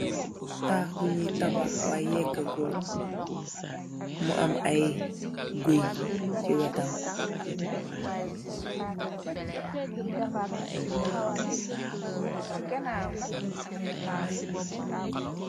Taax bu ñgii tabax way yega gul, mu am ay guy ci wettam.